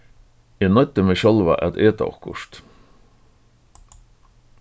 eg noyddi meg sjálva at eta okkurt